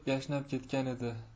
yashnab ketgan edi